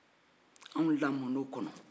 anw lamɔna o kɔnɔ